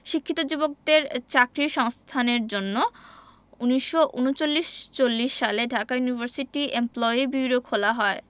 শিক্ষিত যুবকদের চাকরির সংস্থানের জন্য ১৯৩৯ ৪০ সালে ঢাকা ইউনিভার্সিটি ইমপ্লয়ি বিউরো খোলা হয়